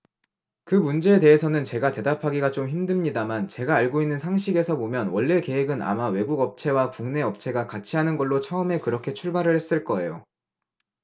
그 문제에 대해서는 제가 대답하기가 좀 힘듭니다만 제가 알고 있는 상식에서 보면 원래 계획은 아마 외국 업체와 국내 업체가 같이 하는 걸로 처음에 그렇게 출발을 했을 거예요